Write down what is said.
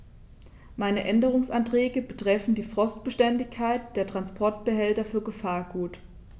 Meine Änderungsanträge betreffen die Frostbeständigkeit der Transportbehälter für Gefahrgut.